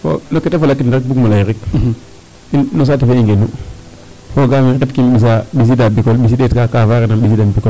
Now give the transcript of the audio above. Wa no ke ta falakitna rek bugum o lay rek no saate fe i ngenu fogaam ee i nqetkee ɓisiida Bicole um ɗeet ka faaxeerna ɓisiidan Bicol.